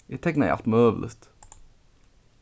eg teknaði alt møguligt